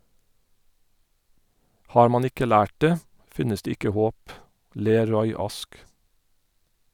Har man ikke lært det , finnes det ikke håp , ler Roy Ask.